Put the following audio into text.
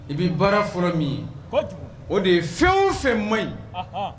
I bɛ baara fɔlɔ min ye o de ye fɛn fɛn ma ɲi